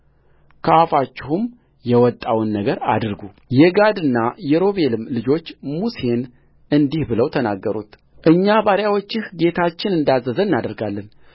ከአፋችሁም የወጣውን ነገር አድርጉየጋድና የሮቤልም ልጆች ሙሴን እንዲህ ብለው ተናገሩት እኛ ባሪያዎችህ ጌታችን እንዳዘዘ እናደርጋለን